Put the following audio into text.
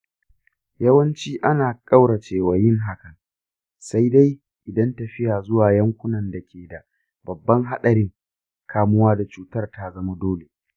yawanci ana kauracewa yin hakan sai dai idan tafiya zuwa yankunan da ke da babban haɗarin kamuwa da cutar ta zama dole.